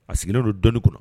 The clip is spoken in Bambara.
A sigilen don dɔni kɔnɔ